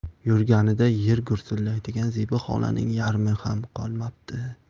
yurganida yer gursillaydigan zebi xolaning yarmiham qolmabdi